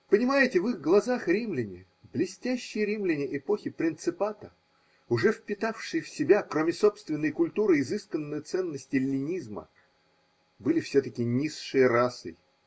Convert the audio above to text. Понимаете, в их глазах римляне, блестящие римляне эпохи принципата, уже впитавшие в себя, кроме собственной культуры, изысканную ценность эллинизма, – были все-таки низшей расой.